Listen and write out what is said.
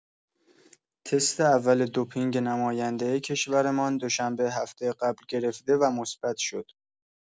تست اول دوپینگ نماینده کشورمان دوشنبه هفته قبل، گرفته و مثبت شد.